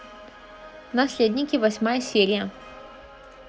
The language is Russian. наследники восьмая серия